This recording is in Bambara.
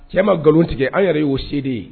Cɛ ma nkalon tigɛ aw yɛrɛ y'o se de ye